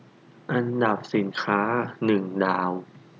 อันดับสินค้าหนึ่งดาว